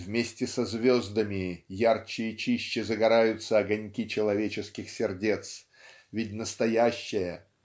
вместе с звездами ярче и чище загораются огоньки человеческих сердец ведь "настоящая